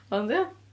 Ond, ia.